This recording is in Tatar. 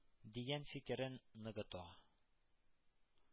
Дигән фикерен ныгыта.